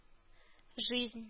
Жизнь